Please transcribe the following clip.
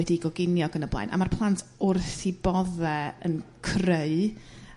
wedi'i goginio ac yn y blaen a ma'r plant wrth 'u bodde yn creu